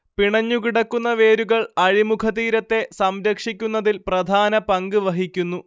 പിണഞ്ഞുകിടക്കുന്ന വേരുകൾ അഴിമുഖ തീരത്തെ സംരക്ഷിക്കുന്നതിൽ പ്രധാനപങ്ക് വഹിക്കുന്നു